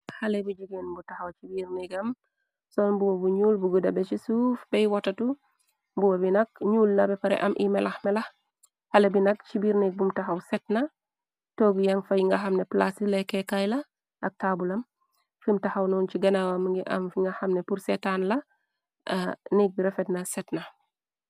Xale bi jugeen bu taxaw ci biir neg am soon buwo bu ñuul bu gudabe. Ci suuf bey wotatu buwo bi nag ñuul nabe pare am emelah mea. Xale bi nag ci biir neg bum taxaw setna toggu yang fay nga xamne plaasi lekkekaay la. Ak taabulam fim taxaw noon ci ganawam ngi am fi nga xamne pursetaan la nig refetna setna.